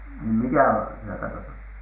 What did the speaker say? niin mikä oli siellä katossa